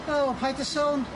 O paid a sôn.